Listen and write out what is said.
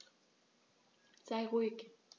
Sei ruhig.